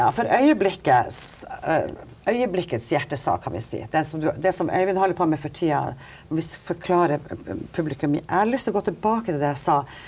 ja for øyeblikket øyeblikkets hjertesak kan vi si den som du det som Øyvind holder på med for tida hvis forklarer publikum jeg har lyst til å gå tilbake til det jeg sa.